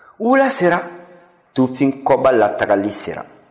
wula sera tufin kɔba la tagali sera